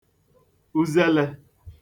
uzelē